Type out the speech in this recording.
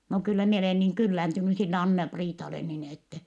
no kyllä minä ole niin kyllääntynyt sille Anna-Priitalle niin että